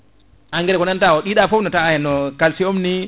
engrais mo nanta o ɗiɗa foof ne tawa eno calcium ni